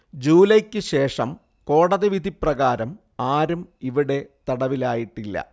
ജൂലായ്ക്ക് ശേഷം കോടതി വിധിപ്രകാരം ആരും ഇവിടെ തടവിലായിട്ടില്ല